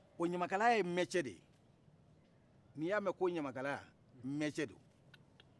wa ɲamakalaya ye mɛtiye de ye ni y'a mɛn ko ɲamakalay mɛtiye do